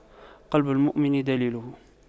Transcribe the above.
قلب المؤمن دليله